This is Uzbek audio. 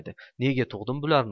nega tug'dim bularni